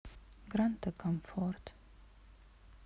гранта комфорт